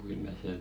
kyllä se